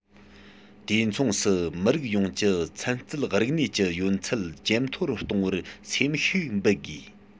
དུས མཚུངས སུ མི རིགས ཡོངས ཀྱི ཚན རྩལ རིག གནས ཀྱི ཡོན ཚད ཇེ མཐོར གཏོང བར སེམས ཤུགས འབུལ དགོས